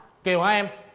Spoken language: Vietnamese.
kiều hả em